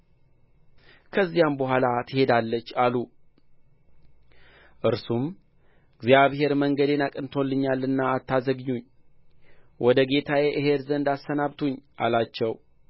ከዚያም በኋላ ትሄዳለች አሉ እርሱም እግዚአብሔር መንገዴን አቅንቶልኛልና አታዘግዩኝ ወደ ጌታዬ እሄድ ዘንድ አሰናብቱኝ አላቸው